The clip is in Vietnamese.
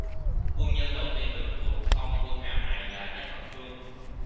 quân nhân đầu tiên được thụ phong quân hàm này là giáp văn cương